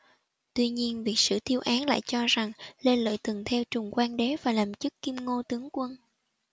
tuy nhiên việt sử tiêu án lại cho rằng lê lợi từng theo trùng quang đế và làm chức kim ngô tướng quân